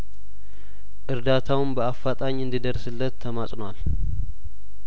እርዳታውም በአፋጣኝ እንዲደርስለት ተማጽኗል